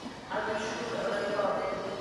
A dwi'n siŵr oddan ni'n gofyn